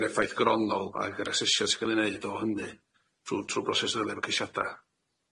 i'r effaith gronol ag yr asesiad sy'n ga'l ei neud o hynny trw trw'r broses ddylia efo ceisiada.